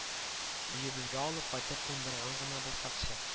Өебезгә алып кайтып кундырган гына булсакчы